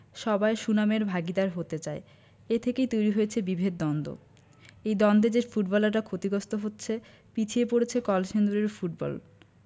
সবাই সুনামের ভাগীদার হতে চায় এ থেকেই তৈরি হয়েছে বিভেদ দ্বন্দ্ব এই দ্বন্দ্বে যে ফুটবলাররা ক্ষতিগস্ত হচ্ছে পিছিয়ে পড়েছে কলসিন্দুরের ফুটবল